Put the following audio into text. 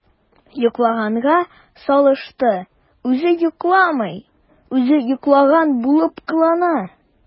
“йоклаганга салышты” – үзе йокламый, үзе йоклаган булып кылана.